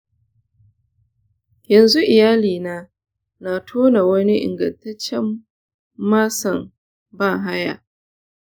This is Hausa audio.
yanzu iyalina na tona wani ingantaccen masan bahaya.